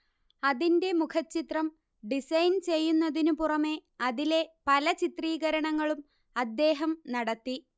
അതിന്റെ മുഖചിത്രം ഡിസൈൻ ചെയ്യുന്നതിനു പുറമേ അതിലെ പല ചിത്രീകരണങ്ങളും അദ്ദേഹം നടത്തി